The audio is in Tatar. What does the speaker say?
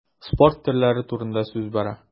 Спорт төрләре турында сүз бара.